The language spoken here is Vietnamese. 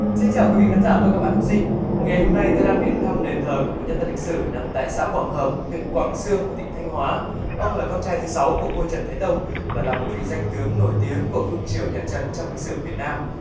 xin chào quý vị khán giả và các bạn học sinh ngày hôm nay tôi đang đến thăm đền thờ của một nhân vật lịch sử nằm tại xã quảng hợp huyện quảng xương của tỉnh thanh hóa ông là con trai thứ sáu của vua trần thái tông và là một vị danh tướng nổi tiếng của vương triều nhà trần trong lịch sử việt nam